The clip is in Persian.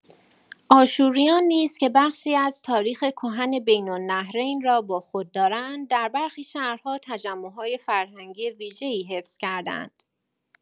آشوریان نیز که بخشی از تاریخ کهن بین‌النهرین را با خود دارند، در برخی شهرها تجمع‌های فرهنگی ویژه‌ای حفظ کرده‌اند.